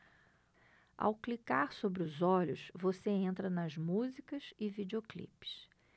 ao clicar sobre os olhos você entra nas músicas e videoclipes